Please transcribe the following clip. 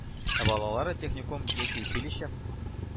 Ә балалары техникум яки училище